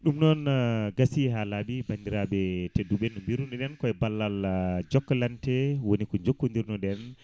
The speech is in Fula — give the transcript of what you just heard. ɗum noon gassi ha laaɓi bandiraɓe tedduɓe no biruno ɗen koye ballal Jokalante woni ko jokkodirno ɗen